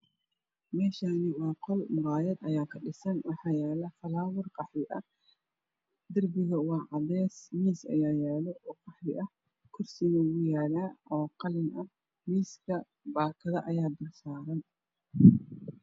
Meshani waa qol murayad aya kadhisan waxa yala falawar qaxwi ah darbiga wa cades miis ayaa yalo o qaxwi ah kursina wuyala o qalin ah miiska baakado aya saran